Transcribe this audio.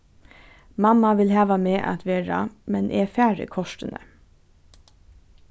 mamma vil hava meg at vera men eg fari kortini